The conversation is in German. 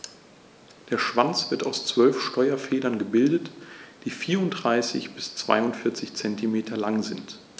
Der Schwanz wird aus 12 Steuerfedern gebildet, die 34 bis 42 cm lang sind.